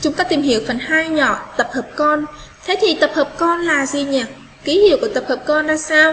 xúc cát tìm hiểu phần nhỏ tập hợp con thế thì tập hợp con là gì nhỉ ký hiệu của tập hợp con ra sao